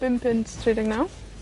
bum punt tri deg naw.